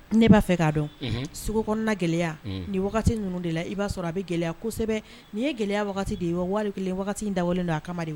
Ne b'a fɛ k'a dɔn sogo kɔnɔna gɛlɛya ni ninnu de la i b'a sɔrɔ a bɛ gɛlɛyasɛbɛ nini ye gɛlɛya de ye wa kelen ye da wale don a kama wa